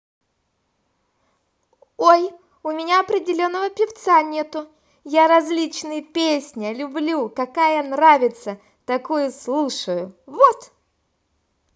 ой у меня определенного певца нету я различные песня люблю какая нравится такую слушаю вот